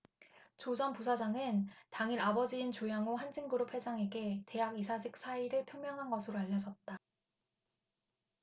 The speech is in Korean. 조 전 부사장은 당일 아버지인 조양호 한진그룹 회장에게 대학 이사직 사의를 표명한 것으로 알려졌다